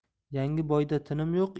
yangi boyda tinim